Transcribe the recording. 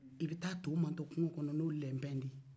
i bɛ taa tɔn mantɔn kogo kɔnɔ n'o lɛnpɛ de ye